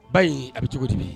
Ba in a bɛ cogo di ye